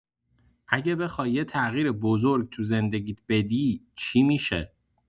اگه بخوای یه تغییر بزرگ تو زندگیت بدی، چی می‌شه؟